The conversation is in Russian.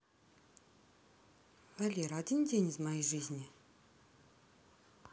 валера один день из моей жизни